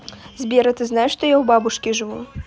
сбер а ты знаешь что я у бабушки живу